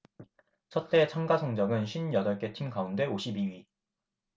첫 대회 참가 성적은 쉰 여덟 개 팀 가운데 오십 이 위